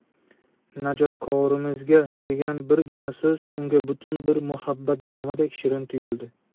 najotkorimizga degan birgina so'z unga butun bir muhabbatnomadek shirin tuyuldi